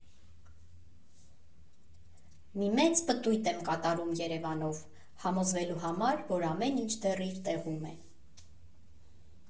Մի մեծ պտույտ եմ կատարում Երևանով՝ համոզվելու համար, որ ամեն ինչ դեռ իր տեղում է։